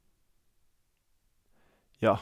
Ja.